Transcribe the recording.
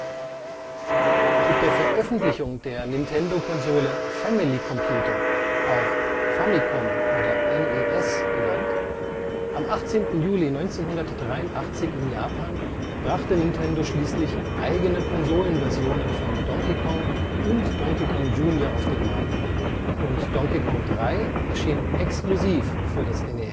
Mit der Veröffentlichung der Nintendo-Konsole Family Computer (Famicom/NES) am 15. Juli 1983 in Japan brachte Nintendo schließlich eigene Konsolenversionen von Donkey Kong und Donkey Kong Jr. auf den Markt, und Donkey Kong 3 erschien exklusiv für das NES